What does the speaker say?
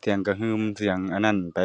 เสียงกระหึ่มเสียงอันนั้นไป